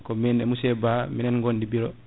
ko min e monsieur Ba ko minen gondi bureau